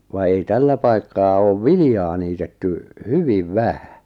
vaan ei tällä paikkaa ole viljaa niitetty hyvin vähän